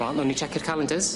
Wel wnawn ni checio'r calendars.